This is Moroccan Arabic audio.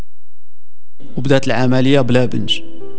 بدات العمليه بلا بنج